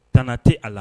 Tanana tɛ a la